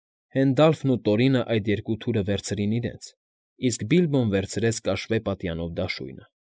Հենդալֆն ու Տորինը այդ երկու թուրը վերցրին իրենց, իսկ Բիլբոն վերցրեց կաշվե պատյանով դաշույնը։